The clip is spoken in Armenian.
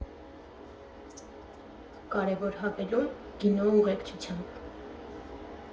Կարևոր հավելում՝ գինու ուղեկցությամբ։